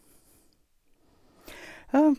Ja.